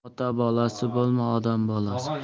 ota bolasi bo'lma odam bolasi bo'l